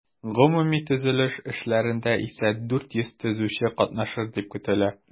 Гомуми төзелеш эшләрендә исә 400 төзүче катнашыр дип көтелә.